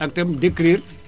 ak itam décrire